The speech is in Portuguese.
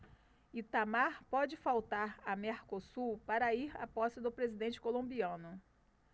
itamar pode faltar a mercosul para ir à posse do presidente colombiano